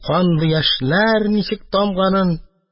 Канлы яшьләр ничек тамганын